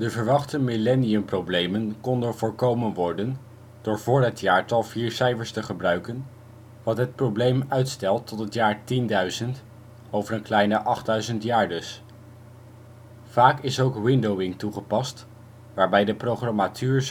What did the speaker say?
verwachte millenniumproblemen konden voorkomen worden door voor het jaartal vier cijfers te gebruiken, wat het probleem uitstelt tot het jaar 10000 (over een kleine 8000 jaar dus). Vaak is ook ' windowing ' toegepast, waarbij de programmatuur